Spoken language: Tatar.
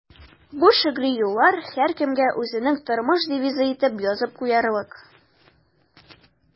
Бу шигъри юллар һәркемгә үзенең тормыш девизы итеп язып куярлык.